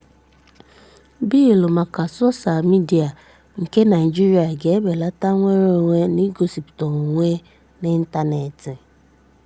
Bịịlụ maka soshaa midịa nke Naịjirịa ga-ebeleta nnwere onwe n'igosipụta onwe n'ịntaneetị